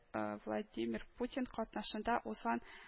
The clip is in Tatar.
Владимир Путин катнашында узган